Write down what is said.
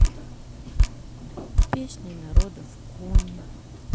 песни народов коми